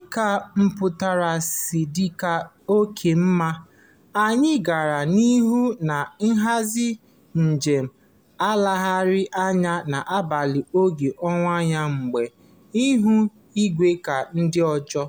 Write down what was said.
Dịka mpụtara si dị oke mma, anyị gara n'ihu na-ahazi njem nlegharị anya n'abalị n'oge ọnwa oyi mgbe ihu igwe ka dị jụụ.